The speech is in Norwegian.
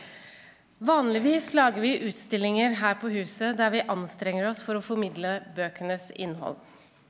vanligvis lager vi utstillinger her på huset der vi anstrenger oss for å formidle bøkenes innhold.